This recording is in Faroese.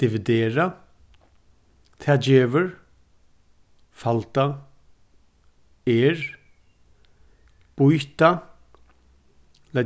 dividera tað gevur falda er býta